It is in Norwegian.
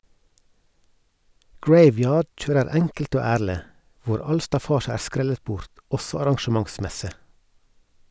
Graveyard kjører enkelt og ærlig , hvor all staffasje er skrellet bort også arrangementsmessig.